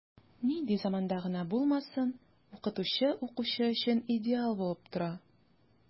Нинди заманда гына булмасын, укытучы укучы өчен идеал булып тора.